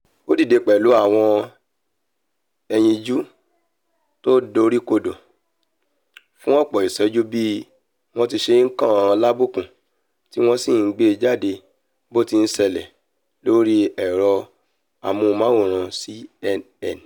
Ó dìde pẹ̀lú àwọn ẹyinjú tó doríkodò fún ọ̀pọ̀ ìṣẹ́jú bí wọ́n tiṣe kàn an lábùkù, tí wọ́n sì gbé e jáde bóti ń ṣẹlẹ̀ lóri ẹ̀rọ amóhùnmáwòrán CNN.